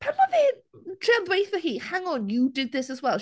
Pan oedd e yn trial dweutho hi, "hang on, you did this as well."